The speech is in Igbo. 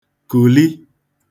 kùli